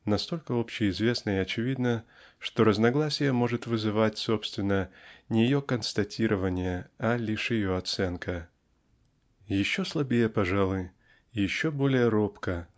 -- настолько общеизвестна и очевидна что разногласия может вызывать собственно не ее констатирование а лишь ее оценка. Еще слабее пожалуй еще более робко